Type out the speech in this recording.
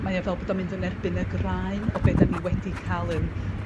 mae o fel bod o'n mynd yn erbyn y graen o be' 'dan ni wedi ca'l yn